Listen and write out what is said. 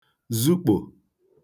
zukpò